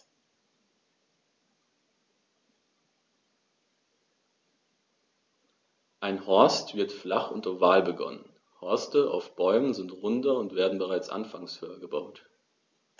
Ein Horst wird flach und oval begonnen, Horste auf Bäumen sind runder und werden bereits anfangs höher gebaut.